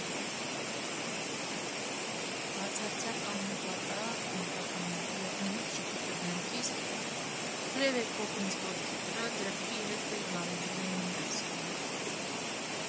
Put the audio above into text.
Բացարձակ աննպատակ, ենթադրում եմ՝ երջանիկ ժպիտը դեմքիս, թրև եկող ինձ՝ ոտքի վրա, ձեռքի հետ էլ գարեջուր էին հյուրասիրում։